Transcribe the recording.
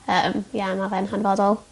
yym ia ma' fe'n hanfodol.